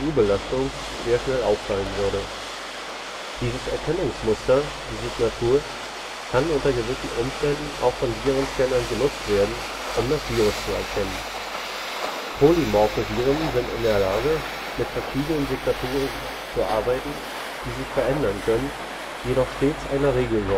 CPU-Belastung sehr schnell auffallen würde. Dieses Erkennungsmuster – die Signatur – kann unter gewissen Umständen auch von Virenscannern genutzt werden, um das Virus zu erkennen. Polymorphe Viren sind in der Lage, mit verschiedenen Signaturen zu arbeiten, die sich verändern können, jedoch stets einer Regel